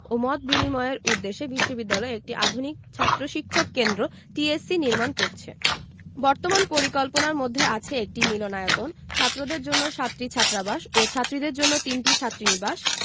ও মত বিনিময়ের উদ্দেশ্যে বিশ্ববিদ্যালয় একটি আধুনিক ছাত্র শিক্ষক কেন্দ্র টিএসসি নির্মাণ করছে বর্তমান পরিকল্পনার মধ্যে আছে একটি মিলনায়তন ছাত্রদের জন্য সাতটি ছাত্রাবাস ও ছাত্রীদের জন্য তিনটি ছাত্রীনিবাস